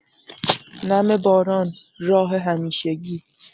نم باران، راه همیشگی